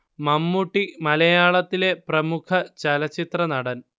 മമ്മൂട്ടി മലയാളത്തിലെ പ്രമുഖ ചലച്ചിത്രനടൻ